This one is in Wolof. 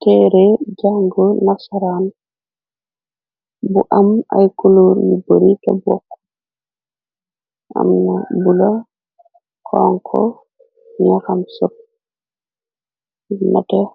tëere jàngu nasaraan bu am ay kuluur yi bari te bokk amn bu la konko ñaxam sug natex